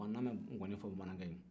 awo an nanen bɛ nkɔni fɔ bamanankɛ ye